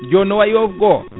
joni no wayi yo go